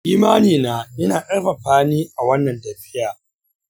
imanina yana ƙarfafa ni a wannan tafiya.